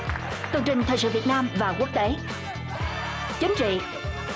tường trình thời sự việt nam và quốc tế chính trị